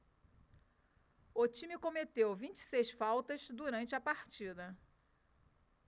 o time cometeu vinte e seis faltas durante a partida